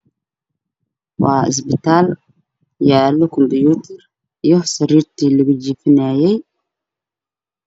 Waa isbitaal yaalo computer iyo sariirtii lagu jiifanayey